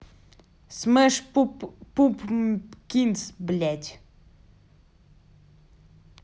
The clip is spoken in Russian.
smash pumpkins блядь